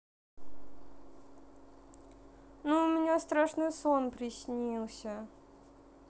ну у меня страшный сон снился